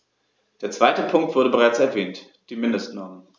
Der zweite Punkt wurde bereits erwähnt: die Mindestnormen.